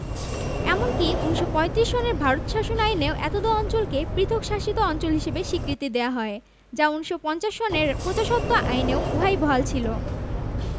এমনকি ১৯৩৫ সনের ভারত শাসন আইনেও এতদ অঞ্চলকে পৃথক শাসিত অঞ্চল হিসেবে স্বীকৃতি দেয়া হয় যা ১৯৫০ সনের প্রজাস্বত্ব আইনেও উহাই বহাল ছিল